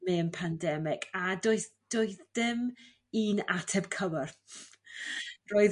mewn pandemic a does doedd dim un ateb cywir roedd